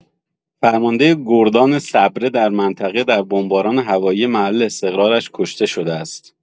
فرمانده گردان صبره در منطقه در بمباران هوایی محل استقرارش کشته‌شده است.